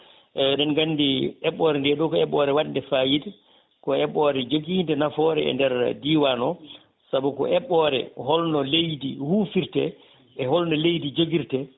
eɗen gandi eɓɓore nde ɗo ko eɓɓore wande fayida ko eɓɓore joguide nafoore e nder diwan o saabi ko eɓɓore holno leydi hufirte e holno leydi joguirte